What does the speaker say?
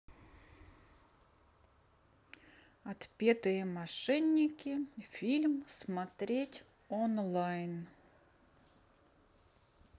отпетые мошенники фильм смотреть онлайн